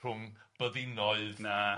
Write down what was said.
Rhwng byddinoedd... Na.